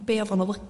be' odd o'n